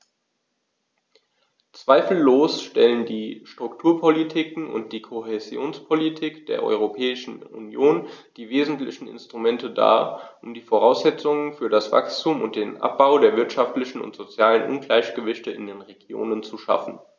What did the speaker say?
Zweifellos stellen die Strukturpolitiken und die Kohäsionspolitik der Europäischen Union die wesentlichen Instrumente dar, um die Voraussetzungen für das Wachstum und den Abbau der wirtschaftlichen und sozialen Ungleichgewichte in den Regionen zu schaffen.